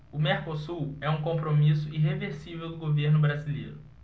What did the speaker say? o mercosul é um compromisso irreversível do governo brasileiro